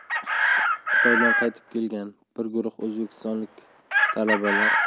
xitoydan qaytib kelgan bir guruh o'zbekistonlik talabalar